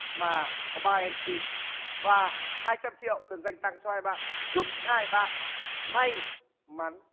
mà có ba em xi và hai trăm triệu được dành tặng cho hai bạn chúc hai bạn may mắn